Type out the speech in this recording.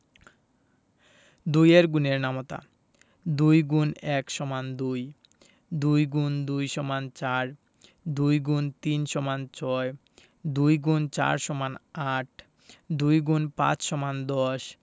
২ এর গুণের নামতা ২ X ১ = ২ ২ X ২ = ৪ ২ X ৩ = ৬ ২ X ৪ = ৮ ২ X ৫ = ১০